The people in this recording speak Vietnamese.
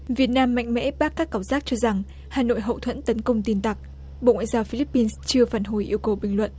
việt nam mạnh mẽ bác tắt cảm giác cho rằng hà nội hậu thuẫn tấn công tin tặc bộ ngoại giao phi líp pin chưa phản hồi yêu cầu bình luận